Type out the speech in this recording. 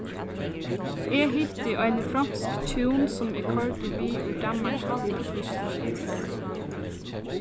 eg hitti eini fronsk hjún sum eg koyrdi við úr danmark til týsklands